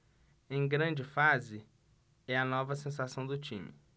em grande fase é a nova sensação do time